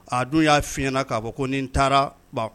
A dun y'a fiɲɛyɲɛna k'a bɔ ko ni taara ban